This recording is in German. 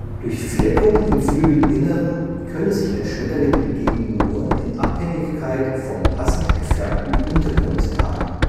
Durch Fleckung im Flügelinneren könne sich ein Schmetterling hingegen nur in Abhängigkeit vom passend gefärbten Untergrund tarnen